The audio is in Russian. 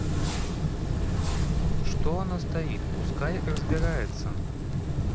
что она стоит пускай разбирается